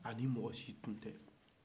a ni mɔgɔsi tun tɛ